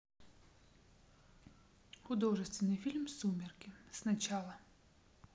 художественный фильм сумерки сначала